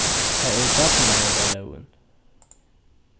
tað er barnaverndarlógin